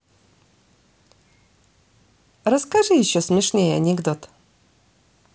расскажи еще смешнее анекдот